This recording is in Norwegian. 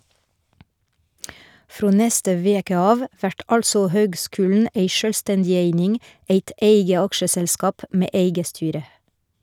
Frå neste veke av vert altså høgskulen ei sjølvstendig eining, eit eige aksjeselskap med eige styre.